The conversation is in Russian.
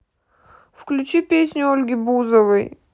включить песню ольги бузовой